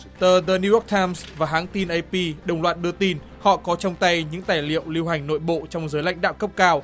tờ giờ niu roóc tham và hãng tin ây pi đồng loạt đưa tin họ có trong tay những tài liệu lưu hành nội bộ trong giới lãnh đạo cấp cao